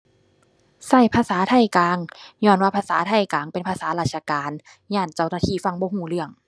ใช้ภาษาไทยกลาง ญ้อนว่าภาษาไทยกลางเป็นภาษาราชการ ย้านเจ้าหน้าที่ฟังบ่ใช้เรื่อง